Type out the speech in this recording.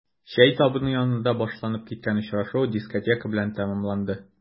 Чәй табыны янында башланып киткән очрашу дискотека белән тәмамланды.